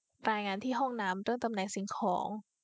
รายงานที่ห้องน้ำเรื่องตำแหน่งสิ่งของ